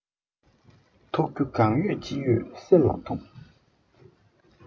ཐུག རྒྱུ གང ཡོད ཅི ཡོད སེམས ལ ཐུག